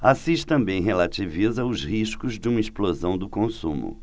assis também relativiza os riscos de uma explosão do consumo